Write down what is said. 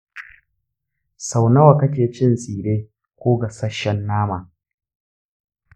sau nawa kake cin tsire ko gasasshen nama?